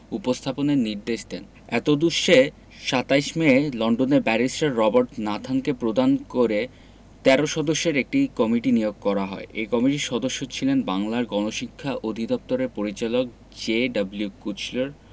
উপস্থাপনের নির্দেশ দেন এতদুশ্যে ২৭ মে লন্ডনের ব্যারিস্টার রবার্ট নাথানকে প্রধান করে ১৩ সদস্যের একটি কমিটি নিয়োগ করা হয় এ কমিটির সদস্য ছিলেন বাংলার গণশিক্ষা অধিদপ্তরের পরিচালক জে.ডব্লিউ কুচলার